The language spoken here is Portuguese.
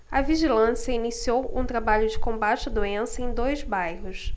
a vigilância iniciou um trabalho de combate à doença em dois bairros